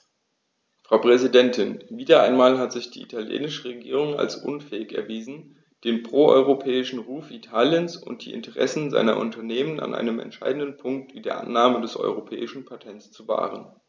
Frau Präsidentin, wieder einmal hat sich die italienische Regierung als unfähig erwiesen, den pro-europäischen Ruf Italiens und die Interessen seiner Unternehmen an einem entscheidenden Punkt wie der Annahme des europäischen Patents zu wahren.